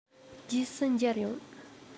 རྗེས སུ མཇལ ཡོང